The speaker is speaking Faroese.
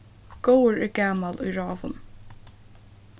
góður er gamal í ráðum